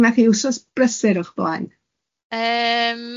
'S gennachi wsos brysur o'ch blaen?